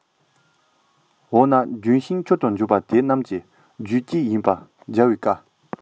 འོ ན ལྗོན ཤིང མཆོག ཏུ འགྱུར པ དེ རྣམས ཀྱི རྒྱུད བཅས ཡིན པ རྒྱལ བའི བཀའ